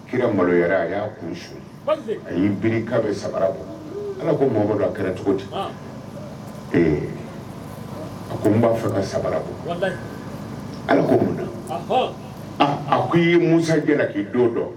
Kira malo a y'a kun su a y'i bi' bɛ samara ala ko mabɔ don a kɛra cogo di a ko n b'a fɛ ka samara ala ko mundo a ko i'i musa gɛn k'i don dɔn